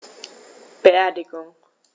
Beerdigung